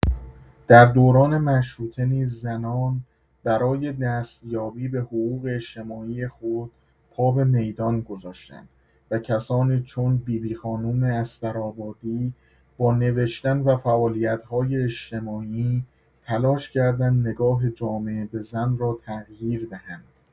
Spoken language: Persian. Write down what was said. در دوران مشروطه نیز زنان برای دستیابی به حقوق اجتماعی خود پا به میدان گذاشتند و کسانی چون بی‌بی‌خانم استرآبادی با نوشتن و فعالیت‌های اجتماعی تلاش کردند نگاه جامعه به زنان را تغییر دهند.